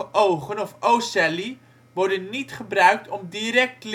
ogen of ocelli worden niet gebruikt om direct